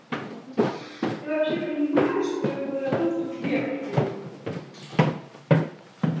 ты вообще понимаешь что я говорю о том что сбер купил